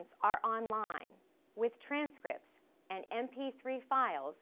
o on mai quýt chen phẹt èn en bi phi phai ồ